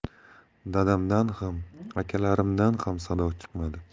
dadamdan ham akalarimdan ham sado chiqmadi